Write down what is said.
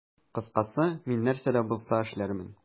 Кыскасы, мин нәрсә дә булса эшләрмен.